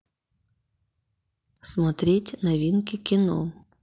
смотреть новинки кино